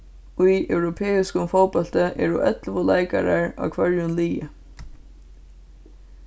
í europeiskum fótbólti eru ellivu leikarar á hvørjum liði